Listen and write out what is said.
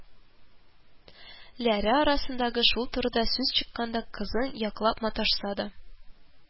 Ләре арасында шул турыда сүз чыкканда кызын яклап маташса да,